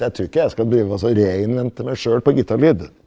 jeg trur ikke jeg skal drive også meg sjøl på gitarlyd.